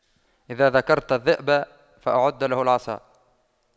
إذا ذكرت الذئب فأعد له العصا